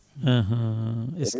ahan eskey